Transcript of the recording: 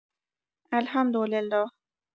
الحمدالله